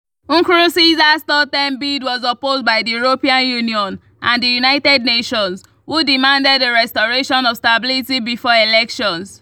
Nkurunziza’s third term bid was opposed by the European Union, and the United Nations, who demanded a restoration of stability before elections.